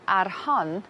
ar hon